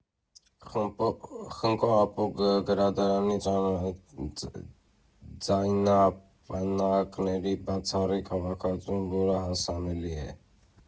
Խնկո֊Ապոր գրադարանի ձայնապնակների բացառիկ հավաքածուն նորից հասանելի է։